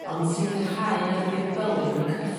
Ond sicirhau nad ydi'r bylb yn